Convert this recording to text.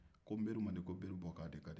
ko nbari man di ko nbari bɔ kan de ka di